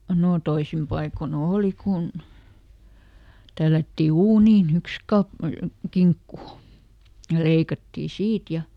no toisin paikoin oli kun tällättiin uuniin yksi - kinkku ja leikattiin siitä ja